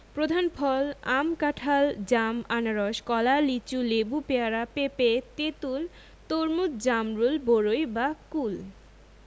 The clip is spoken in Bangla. প্রধান ফলঃ আম কাঁঠাল জাম আনারস কলা লিচু লেবু পেয়ারা পেঁপে তেঁতুল তরমুজ জামরুল বরই বা কুল